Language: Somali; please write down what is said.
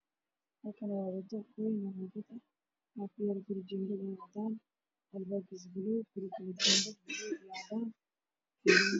Halkaan waxaa ka muuqdo guri burcadbadeed ah oo jiinkadiisana cadaan ah jiinkada saqafka guriga waa guduud